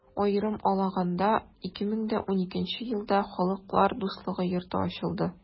Аерым алаганда, 2012 нче елда Халыклар дуслыгы йорты ачылды.